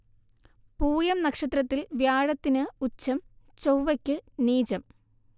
പൂയം നക്ഷത്രത്തിൽ വ്യഴത്തിന് ഉച്ചം ചൊവ്വയ്ക്ക് നീചം